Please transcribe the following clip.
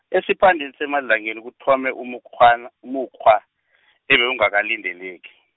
esiphandeni seMadlangeni kuthome umukghwana, umukghwa , ebe ungakalindeleki.